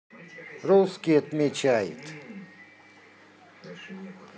русские отмечают